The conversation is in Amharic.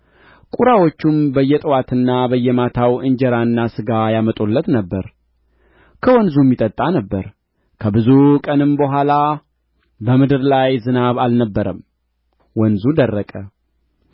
ቍራዎቹም በየጥዋትና በየማታው እንጀራና ሥጋ ያመጡለት ነበር ከወንዙም ይጠጣ ነበር ከብዙ ቀንም በኋላ በምድር ላይ ዝናብ አልነበረምና ወንዙ ደረቀ